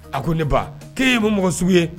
A ko ne ba'e ye ma mɔgɔ sugu ye